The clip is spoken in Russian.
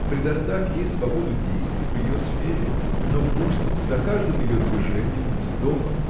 Предоставь ей свободу действий в ее сфере но пусть за каждым ее движением вздохом